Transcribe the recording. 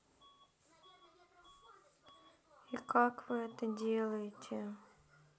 и как вы это делаете